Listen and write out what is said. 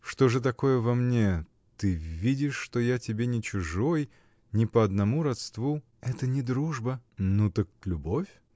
— Что же такое во мне: ты видишь, что я тебе не чужой, не по одному родству. — Это не дружба. — Ну так любовь?